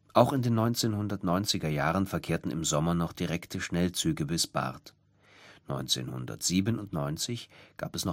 1990er Jahren verkehrten im Sommer direkte Schnellzüge bis Barth. 1997 gab es